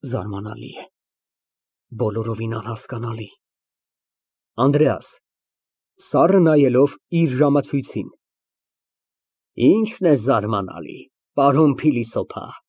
Զարմանալի է, բոլորովին անհասկանալի… ԱՆԴՐԵԱՍ ֊ (Սառը նայելով իր ժամացույցին) Ի՞նչն է զարմանալի, պարոն փիլիսոփա։